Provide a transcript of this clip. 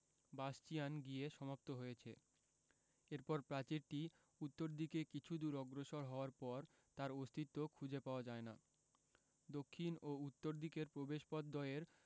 bastion গিয়ে সমাপ্ত হয়েছে এরপর প্রাচীরটি উত্তর দিকে কিছু দূর অগ্রসর হওয়ার পর আর অস্তিত্ব খুঁজে পাওয়া যায় না দক্ষিণ ও উত্তর দিকের প্রবেশপথদ্বয়ের